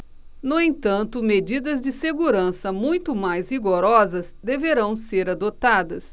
no entanto medidas de segurança muito mais rigorosas deverão ser adotadas